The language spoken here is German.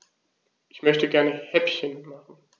Ich möchte gerne Häppchen machen.